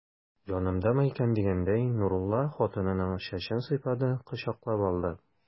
Янымдамы икән дигәндәй, Нурулла хатынының чәчен сыйпады, кочаклап алды.